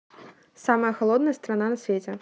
самая холодная страна на свете